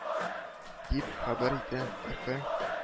Дип хәбәр итә рф